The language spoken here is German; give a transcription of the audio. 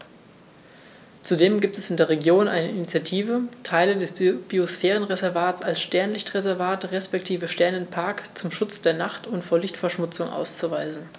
Zudem gibt es in der Region eine Initiative, Teile des Biosphärenreservats als Sternenlicht-Reservat respektive Sternenpark zum Schutz der Nacht und vor Lichtverschmutzung auszuweisen.